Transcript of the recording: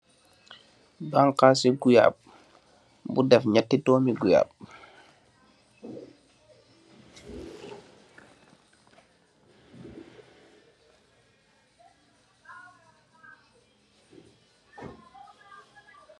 Bankhaasi guyaap, bu def nyati doomi guyaap.